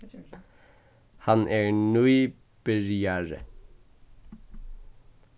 hann er nýbyrjari